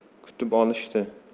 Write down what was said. kutib olishdi